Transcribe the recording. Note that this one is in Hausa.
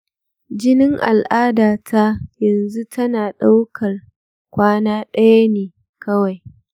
jinin al’adata yanzu tana ɗaukar kwana ɗaya ne kawai.